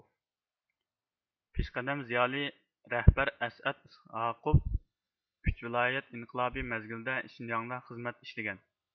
پېشقەدەم زىيالىي رەھبەر ئەسئەت ئىسھاقوف ئۈچ ۋىلايەت ئىنقىلابى مەزگىلىدە شىنجاڭدا خىزمەت ئىشلىگەن